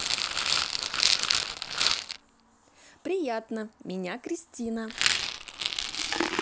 приятно меня кристина